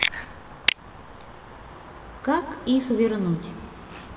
как их вернуть